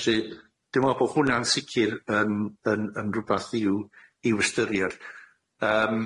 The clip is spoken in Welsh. Felly dwi'n me'wl bo' hwnna'n sicir yym yn yn rwbath i'w i'w ystyried yym